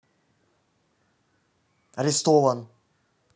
арестован